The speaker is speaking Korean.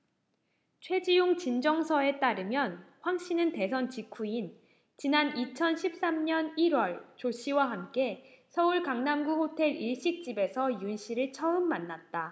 최지용진정서에 따르면 황씨는 대선 직후인 지난 이천 십 삼 년 일 월 조씨와 함께 서울 강남구 호텔 일식집에서 윤씨를 처음 만났다